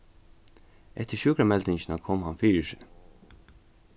eftir sjúkrameldingina kom hann fyri seg